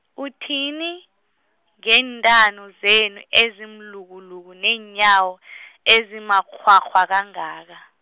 uthini, ngeentamo zenu ezimlukuluku neenyawo , ezimakghwakghwa kangaka.